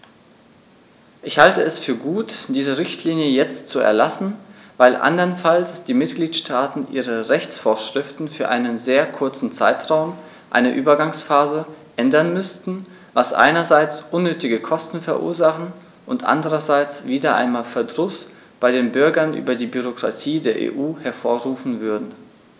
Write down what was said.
Ich halte es für gut, diese Richtlinie jetzt zu erlassen, weil anderenfalls die Mitgliedstaaten ihre Rechtsvorschriften für einen sehr kurzen Zeitraum, eine Übergangsphase, ändern müssten, was einerseits unnötige Kosten verursachen und andererseits wieder einmal Verdruss bei den Bürgern über die Bürokratie der EU hervorrufen würde.